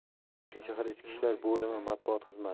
toshkent shahar ichki ishlar bolimi matbuot xizmati